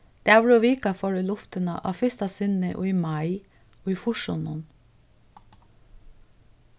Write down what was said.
dagur og vika fór í luftina á fyrsta sinni í mai í fýrsunum